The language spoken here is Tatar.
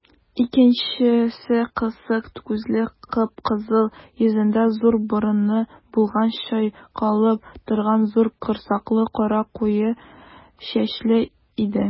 Икенчесе кысык күзле, кып-кызыл йөзендә зур борыны булган, чайкалып торган зур корсаклы, кара куе чәчле иде.